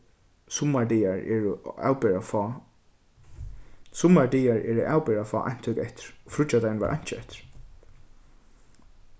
summar dagar eru avbera fá summar dagar eru avbera fá eintøk eftir fríggjadagin var einki eftir